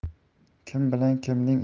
kim bilan kimning